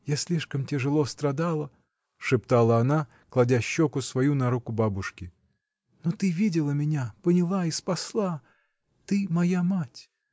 Я слишком тяжело страдала, — шептала она, кладя щеку свою на руку бабушки, — но ты видела меня, поняла и спасла. ты — моя мать!.